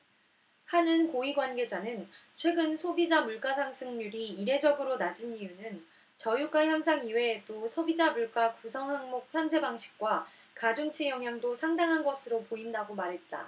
한은 고위 관계자는 최근 소비자물가상승률이 이례적으로 낮은 이유는 저유가 현상 이외에도 소비자물가 구성항목 편제방식과 가중치 영향도 상당한 것으로 보인다고 말했다